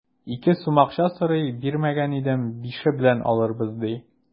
Ике сум акча сорый, бирмәгән идем, бише белән алырбыз, ди.